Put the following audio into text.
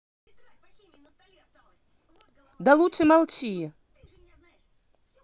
да лучше молчи